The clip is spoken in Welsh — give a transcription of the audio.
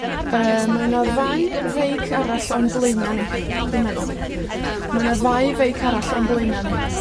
Yy, mae 'na ddau feic arall o'n blaena' ni, dwi'n meddwl. Ma' 'na ddau feic arall o'n blaena' ni.